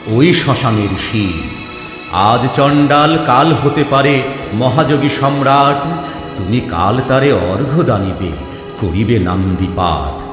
ওই শ্মশানের শিব আজ চন্ডাল কাল হতে পারে মহাযোগী সম্রাট তুমি কাল তারে অর্ঘ্য দানিবে করিবে নান্দী পাঠ